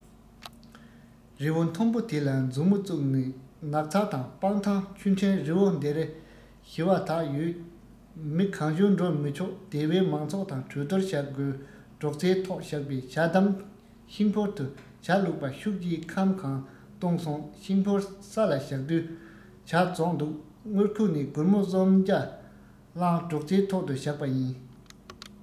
རི བོ མཐོན པོ དེ ལ མཛུབ མོ བཙུགས ནགས ཚལ དང སྤང ཐང ཆུ ཕྲན རི བོ འདིར གཞི བདག ཡོད མི གང བྱུང འགྲོ མི ཆོག སྡེ བའི མང ཚོགས དང གྲོས བསྡུར བྱ དགོས སྒྲོག ཙེའི ཐོག བཞག པའི ཇ དམ ཤིང ཕོར དུ ཇ བླུགས པ ཤུགས ཀྱིས ཁམ གང བཏུངས སོང ཤིང ཕོར ས ལ བཞག དུས ཇ རྫོགས འདུག དངུལ ཁུག ནས སྒོར མོ གསུམ བརྒྱ བླངས སྒྲོག ཙེའི ཐོག ཏུ བཞག པ ཡིན